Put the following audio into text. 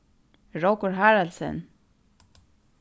rókur haraldsen